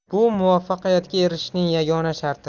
bu muvaffaqiyatga erishishning yagona sharti